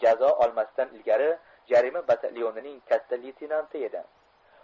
jazo olmasidan ilgari jarima batalonining katta leytenanti edi